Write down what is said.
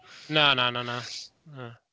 Na na na na. Na.